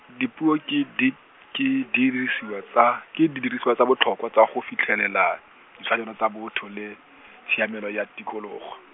dipuo ke di-, ke dirisiwa tsa, ke didiriswa tsa botlhokwa tsa go fitlhelela, ditshwanelo tsa botho le, tshiamelo ya tikologo.